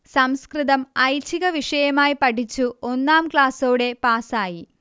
സംസ്കൃതം ഐച്ഛികവിഷയമായി പഠിച്ചു ഒന്നാം ക്ലാസ്സോടെ പാസ്സായി